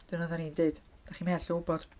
Wedyn oeddan ni'n deud, dach chi'n wbod.